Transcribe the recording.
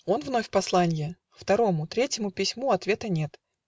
Он вновь посланье: Второму, третьему письму Ответа нет.